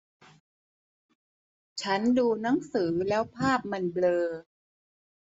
ฉันดูหนังสือแล้วภาพมันเบลอ